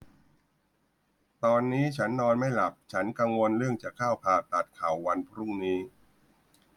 ตอนนี้ฉันนอนไม่หลับฉันกังวลเรื่องจะเข้าผ่าตัดเข่าวันพรุ่งนี้